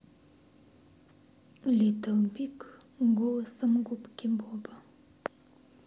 литл биг голосом губки боба